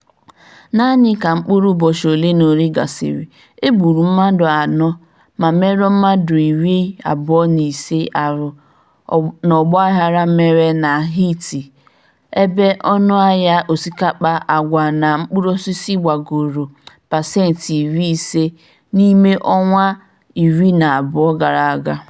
Naanị ka mkpụrụ ụbọchị ole na ole gasịrị, e gburu mmadụ anọ ma merụọ mmadụ 25 ahụ n'ọgbaaghara mere na Haiti, ebe ọnụahịa osikapa, àgwà, na mkpụrụosisi gbagoro 50% n'ime ọnwa 12 gara aga.